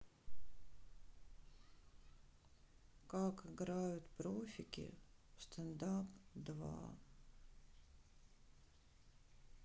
как играют профики в стендап два